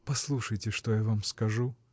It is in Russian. — Послушайте, что я вам скажу.